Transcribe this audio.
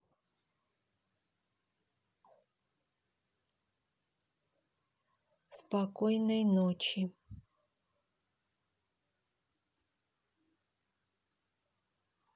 спокойной ночи